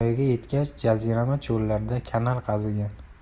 voyaga yetgach jazirama chollarda kanal qazigan